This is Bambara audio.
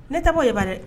Ne tɛ ye bara dɛ